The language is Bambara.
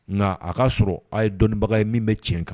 Nka a y'a sɔrɔ a ye dɔnniibaga ye min bɛ tiɲɛ kan